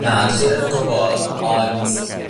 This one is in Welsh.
Na, dydi e ddim o gwbl, ond,